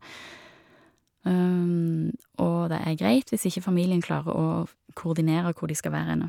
Og det er greit hvis ikke familien klarer å koordinere hvor de skal være henne.